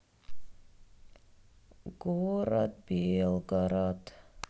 город белгород